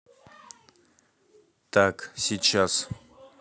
так сейчас